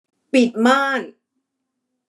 ปิดม่าน